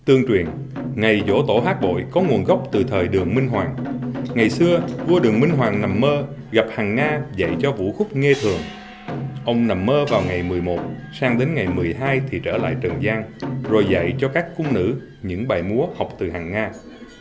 tương truyền ngày giỗ tổ hát bội có nguồn gốc từ thời đường minh hoàng ngày xưa vua đường minh hoàng nằm mơ gặp hằng nga dạy cho vũ khúc nghê thường ông nằm mơ vào ngày mười một sang đến ngày mười hai thì trở lại trần gian rồi dạy cho các cung nữ những bài múa học từ hằng nga